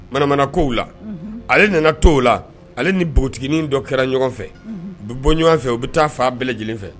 Manamana kow la, ale nana t'o la, ale ni npogotinin dɔ kɛra ɲɔgɔn fɛ, unhun, u bɛ bɔ ɲɔgɔn fɛ, u bɛ taa faa bɛɛ lajɛlen fɛ.